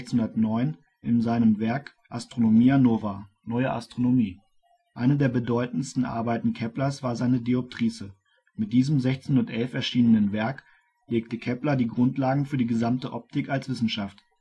1609 erschienenen Werk Astronomia Nova (Neue Astronomie). Eine der bedeutendsten Arbeiten Keplers war seine Dioptrice. Mit diesem 1611 erschienen Werk legte Kepler die Grundlagen für die gesamte Optik als Wissenschaft